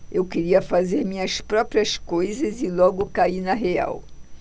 eu queria fazer minhas próprias coisas e logo caí na real